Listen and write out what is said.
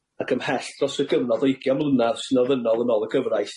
ac ymhell dros ryw gyfnod o ugian mlynadd sy'n ofynnol yn ôl y gyfraith.